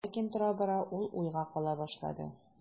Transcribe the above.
Ләкин тора-бара ул уйга кала башлады.